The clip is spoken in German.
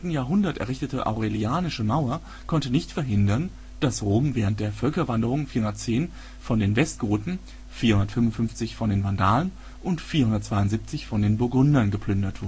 Jahrhundert errichtete Aurelianische Mauer konnte nicht verhindern, dass Rom während der Völkerwanderung 410 von den Westgoten, 455 von den Vandalen und 472 von den Burgundern geplündert